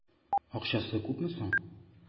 Акчасы күпме соң?